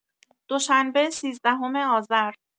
دوشنبه سیزدهم آذر